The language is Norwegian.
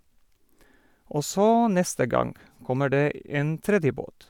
Og så, neste gang kommer det en tredje båt.